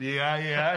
Ia ia ia.